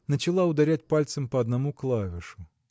начала ударять пальцем по одному клавишу.